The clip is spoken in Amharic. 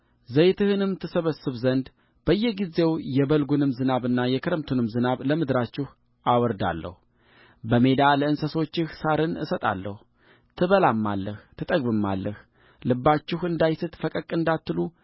ዘይትህንም ትሰበስብ ዘንድ በየጊዜው የበልጉን ዝናብና የክረምቱን ዝናብ ለምድራችሁ አወርዳለሁበሜዳ ለእንስሶችህ ሣርን እሰጣለሁ ትበላማለህ ትጠግብማለህልባችሁ እንዳይስት ፈቀቅ እንዳትሉ